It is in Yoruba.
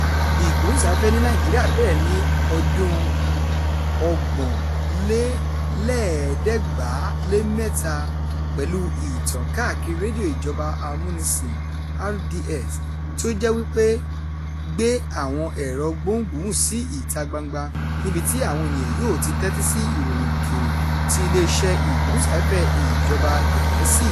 Ìgbóhùnsáfẹ́fẹ́ ní Nàìjíríà bẹ̀rẹ̀ ní ọdún-un 1933 pẹ̀lú Ìtàn káàkiri Rédíò Ìjọba Amúnisìn (RDS), tí ó jẹ́ wípé gbé àwọn ẹ̀rọ-gbohùngbohùn sí ìta gbangba níbi tí àwọn ènìyàn yóò ti tẹ́tí sí ìròyìn òkèèrè ti Iléeṣẹ́ Ìgbóhùnsáfẹ́fẹ́ Ìjọba Gẹ̀ẹ́sì.